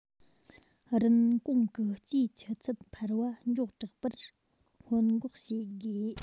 རིན གོང གི སྤྱིའི ཆུ ཚད འཕར བ མགྱོགས དྲགས པར སྔོན འགོག བྱེད དགོས